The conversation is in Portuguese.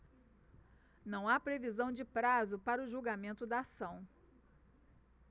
não há previsão de prazo para o julgamento da ação